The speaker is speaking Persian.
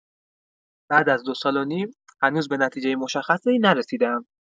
بعد از دو سال و نیم هنوز به نتیجه مشخصی نرسیده‌ام.